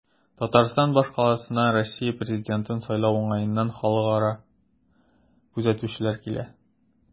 Татарстан башкаласына Россия президентын сайлау уңаеннан халыкара күзәтүчеләр килә.